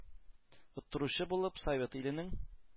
Оттыручы булып, совет иленең,